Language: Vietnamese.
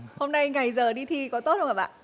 hôm nay ngày giờ đi thi có tốt không hả bạn